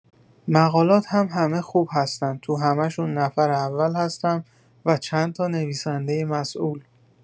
مقالات هم همه خوب هستند توهمه شون نفر اول هستم و چند تا نویسنده مسول.